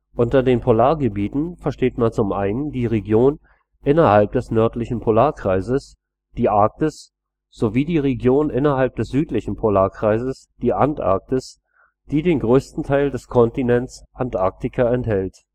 Unter den Polargebieten versteht man zum einen die Region innerhalb des nördlichen Polarkreises, die Arktis, sowie die Region innerhalb des südlichen Polarkreises, die Antarktis, die den größten Teil des Kontinents Antarktika enthält